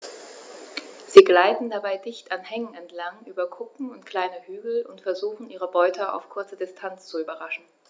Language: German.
Sie gleiten dabei dicht an Hängen entlang, über Kuppen und kleine Hügel und versuchen ihre Beute auf kurze Distanz zu überraschen.